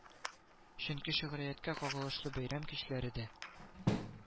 Чөнки шигърияткә кагылышлы бәйрәм кичәләре дә